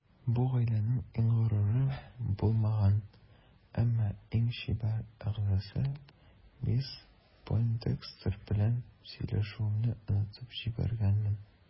Бу гаиләнең иң горуры булмаган, әмма иң чибәр әгъзасы мисс Пойндекстер белән сөйләшүемне онытып җибәргәнмен.